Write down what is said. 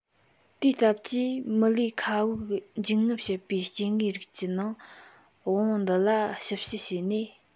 དེའི སྟབས ཀྱིས མུ ལིས མཁའ དབུགས འབྱིན རྔུབ བྱེད པའི སྐྱེ དངོས རིགས ཀྱི ནང དབང པོ འདི ལ ཞིབ དཔྱད བྱས ནས